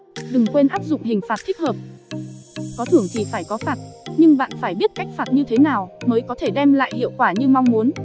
đừng quên áp dụng hình phạt thích hợp có thưởng thì phải có phạt nhưng bạn phải biết cách phạt như thế nào mới có thể đem lại hiệu quả như mong muốn